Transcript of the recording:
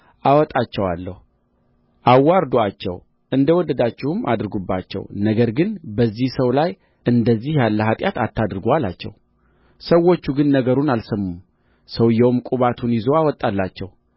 አወጣቸዋለሁ አዋርዱአቸው እንደ ወደዳችሁም አድርጉባቸው ነገር ግን በዚህ ሰው ላይ እንደዚህ ያለ ኃጢአት አታድርጉ አላቸው ሰዎቹ ግን ነገሩን አልሰሙም ሰውዮውም ቁባቱን ይዞ አወጣላቸው